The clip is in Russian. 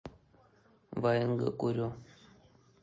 ваенга курю